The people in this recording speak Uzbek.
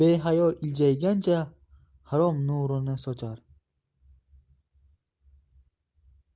behayo iljaygancha harom nurini sochar